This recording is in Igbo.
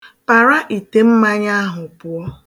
Para ite mmanya ahụ pụọ.